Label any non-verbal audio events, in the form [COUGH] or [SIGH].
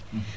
[HESITATION] [HESITATION]